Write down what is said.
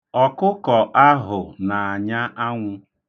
Ọkụkọ ahụ na-anya anwụ.